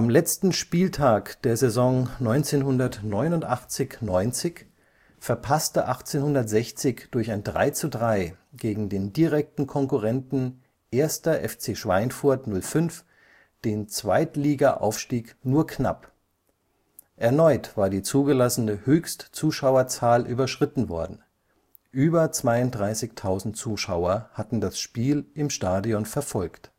letzten Spieltag der Saison 1989 / 90 verpasste 1860 durch ein 3:3 gegen den direkten Konkurrenten 1. FC Schweinfurt 05 den Zweitligaaufstieg nur knapp. Erneut war die zugelassene Höchstzuschauerzahl überschritten worden, über 32.000 Zuschauer hatten das Spiel im Stadion verfolgt